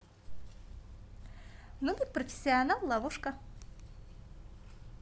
нубик профессионал ловушка